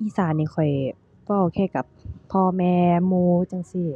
อีสานนี่ข้อยเว้าแค่กับพ่อแม่ หมู่จั่งซี้